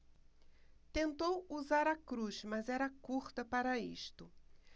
tentou usar a cruz mas era curta para isto